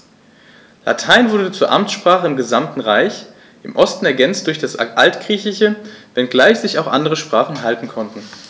Latein wurde zur Amtssprache im gesamten Reich (im Osten ergänzt durch das Altgriechische), wenngleich sich auch andere Sprachen halten konnten.